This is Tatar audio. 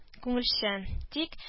Күңелчән. Тик